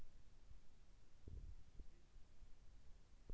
ветер на лицо